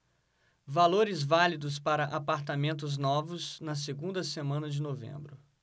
valores válidos para apartamentos novos na segunda semana de novembro